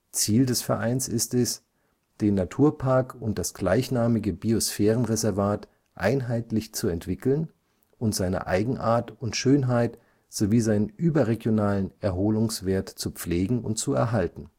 Ziel des Vereins ist es, den Naturpark und das gleichnamige Biosphärenreservat einheitlich zu entwickeln und seine Eigenart und Schönheit sowie seinen überregionalen Erholungswert zu pflegen und zu erhalten